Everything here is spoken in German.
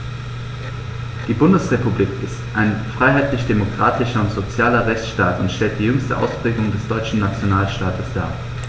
Die Bundesrepublik ist ein freiheitlich-demokratischer und sozialer Rechtsstaat und stellt die jüngste Ausprägung des deutschen Nationalstaates dar.